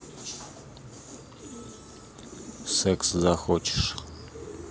секс захочешь